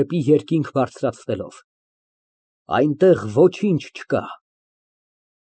Դեպի երկինք բարձրացնելով) այնտեղ ոչինչ չկա։